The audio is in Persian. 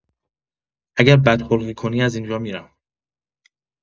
اگر بدخلقی کنی از اینجا می‌رم